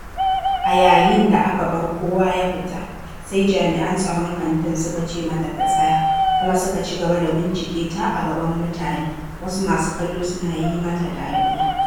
A yayin da aka bar kowa ya fita, sai jami'an tsaron kantin suka ce mata ta tsaya kuma suka cigaba da bincike ta a gaban mutane wasu masu kallo suna yi mata dariya.